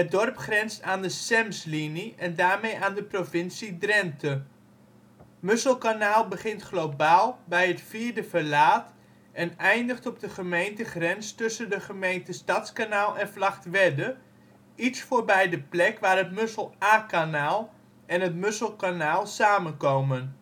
dorp grenst aan de Semslinie en daarmee aan de provincie Drenthe. Musselkanaal begint globaal bij het vierde verlaat en eindigt op de gemeentegrens tussen de gemeente Stadskanaal en Vlagtwedde, iets voorbij de plek waar het Mussel Aa-kanaal en het Musselkanaal samenkomen